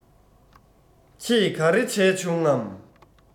ཁྱེད ག རེད བྱས བྱུང ངམ